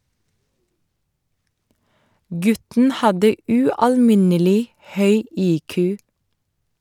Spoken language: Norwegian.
Gutten hadde ualminnelig høy IQ.